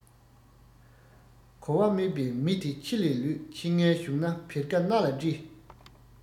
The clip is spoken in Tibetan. གོ བ མེད པའི མི དེ ཁྱི ལས ལོད ཁྱི ངན བྱུང ན བེར ཀ སྣ ལ བཀྲི